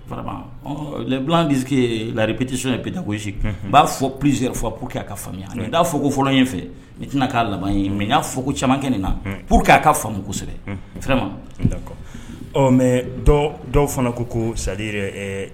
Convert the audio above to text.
Se lariptisi bi da gosisi u b'a fɔ psi fɔ p que a ka faamuya ani t'a fɔ fɔ in fɛ n tɛna k'a laban ye mɛ n'a fɔ ko camankɛ nin na pur que aa ka famu kosɛbɛ ma da mɛ dɔw dɔw fana ko ko sa yɛrɛ